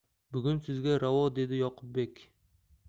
bugun sizga ravo dedi yoqubbek